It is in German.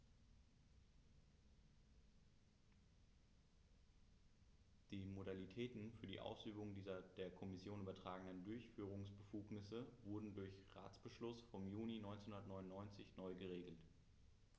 Die Modalitäten für die Ausübung dieser der Kommission übertragenen Durchführungsbefugnisse wurden durch Ratsbeschluss vom Juni 1999 neu geregelt.